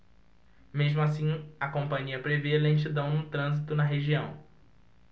mesmo assim a companhia prevê lentidão no trânsito na região